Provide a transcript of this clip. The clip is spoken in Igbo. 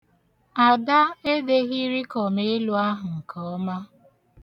Ada edeghị rikọmelu ahụ nke ọma.